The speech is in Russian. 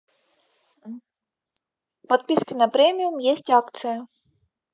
подписки на премиум есть акция